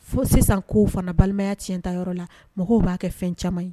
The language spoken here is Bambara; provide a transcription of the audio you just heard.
Fo sisan k'o fana balimaya tiɲɛ ta yɔrɔ la mɔgɔw b'a kɛ fɛn caman ye